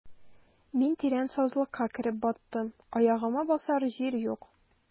Мин тирән сазлыкка кереп баттым, аягыма басар җир юк.